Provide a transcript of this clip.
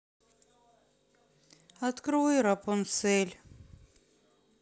открой рапунцель